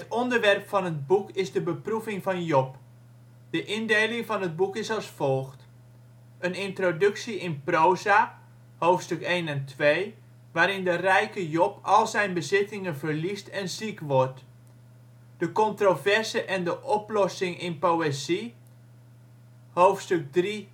onderwerp van het boek is de beproeving van Job. De indeling van het boek is als volgt: Een introductie in proza (hoofdstuk 1-2), waarin de rijke Job al zijn bezittingen verliest en ziek wordt. De controverse en de oplossing in poëzie (hoofdstuk 3-42:6